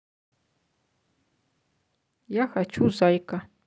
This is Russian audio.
я хочу зайка